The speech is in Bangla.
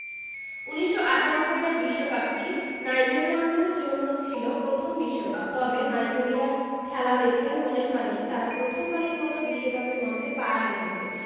১৯৯৮ এর বিশ্বকাপটি নাইজেরিয়ানদের জন্য ছিল প্রথম বিশ্বকাপ তবে নাইজেরিয়ার খেলা দেখে মনেই হয়নি তারা প্রথমবারের মতো বিশ্বকাপের মঞ্চে পা রেখেছে